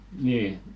niin